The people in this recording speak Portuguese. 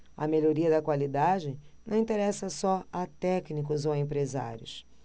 a melhoria da qualidade não interessa só a técnicos ou empresários